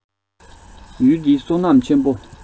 ཡུལ འདི བསོད ནམས ཆེན པོ